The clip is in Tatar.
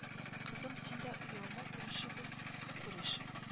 Кызым син дә оялма күрешегез күреш